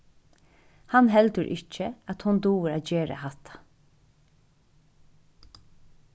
hann heldur ikki at hon dugir at gera hatta